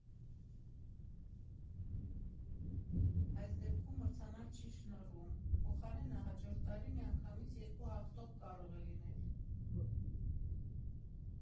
Այս դեպքում մրցանակ չի շնորհվում, փոխարենը՝ հաջորդ տարի միանգամից երկու հաղթող կարող է լինել։